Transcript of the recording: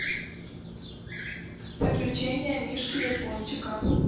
приключения мишки япончика